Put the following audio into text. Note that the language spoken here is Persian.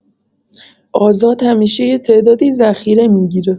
آزاد همیشه یه تعدادی ذخیره می‌گیره